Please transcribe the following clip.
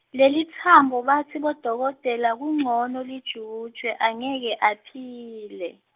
Lelitsambo batsi bodokotela kuncono lijutjwe, angeke aphile.